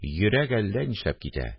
Йөрәк әллә нишләп китә